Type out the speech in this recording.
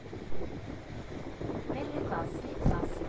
первый класс slick класс